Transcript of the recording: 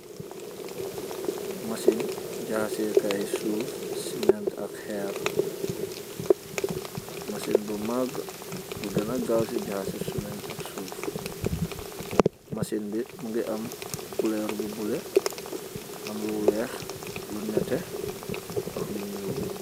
Machine gaseh kai sof cement ak xerr machine bu maag bu gena kaw si jaseh cement ak sof machine bi mogi am colur bu bulo am bu weex neeteh ak lu nuul.